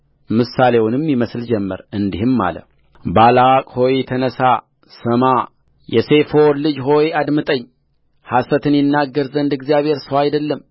ምሳሌውንም ይመስል ጀመር እንዲህም አለባላቅ ሆይ ተነሣ ስማየሴፎር ልጅ ሆይ አድምጠኝሐሰትን ይናገር ዘንድ እግዚአብሔር ሰው አይደለም